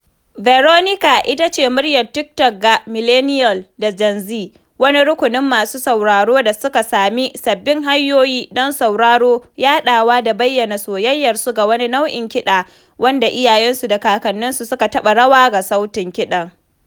Veronica ita ce muryar TikTok ga millennial da Gen Z — wani rukunin masu sauraro da suka sami sababbin hanyoyi don sauraro, yaɗawa da bayyana soyayyarsu ga wani nau’in kiɗa wanda iyayensu da kakanninsu suka taɓa rawa ga sautin kiɗan.